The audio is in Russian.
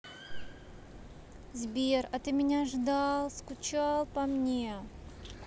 сбер а ты меня ждал скучал по мне